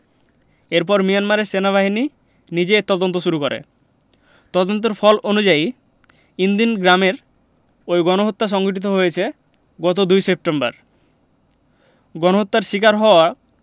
এরপর মিয়ানমার সেনাবাহিনী নিজেই এর তদন্ত শুরু করে তদন্তের ফল অনুযায়ী ইনদিন গ্রামের ওই গণহত্যা সংঘটিত হয়েছে গত ২ সেপ্টেম্বর গণহত্যার শিকার হওয়া